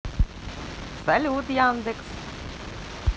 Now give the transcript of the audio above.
салют яндекс